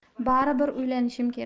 baribir uylanishim kerak